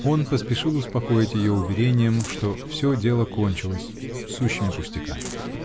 Он поспешил успокоить ее уверением, что все дело кончилось. сущими пустяками.